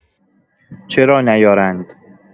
چرا نیارند؟